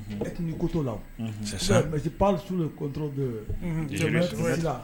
O tun ko to la pa su koto bɛ la